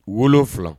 7